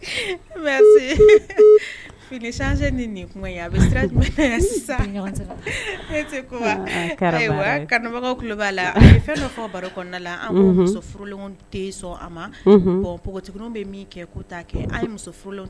Finibagaw b'a la ye fɛn fɔ baroda an muso furulen sɔn ma bɔn npogoig bɛ min kɛ kuta kɛ muso